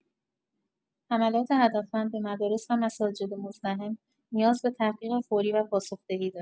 حملات هدفمند به مدارس و مساجد مزدحم نیاز به تحقیق فوری و پاسخ‌دهی دارد.